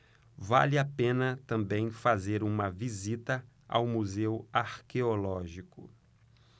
vale a pena também fazer uma visita ao museu arqueológico